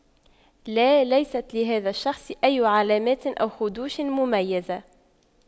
لا ليست لهذا الشخص أي علامات أو خدوش مميزة